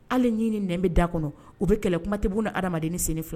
Hali ɲini n bɛ da kɔnɔ u bɛ kɛlɛ kumati' ni ha adamadamadennin sen fila